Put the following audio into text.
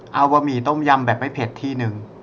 เอาบะหมี่ต้มยำแบบไม่เผ็ดที่นึง